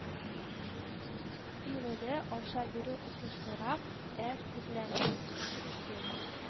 Фигыле аша бирү отышлырак ә тезләмә учреждение